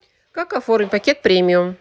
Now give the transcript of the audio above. как оформить пакет премиум